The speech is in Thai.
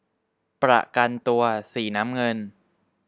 ประกันตัวสีน้ำเงิน